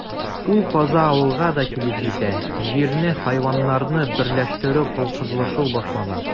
Ул каза авылга да килеп җитә: җирне, хайваннарны берләштерү, колхозлашу башлана.